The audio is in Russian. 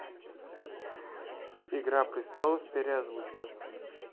игра престолов переозвучка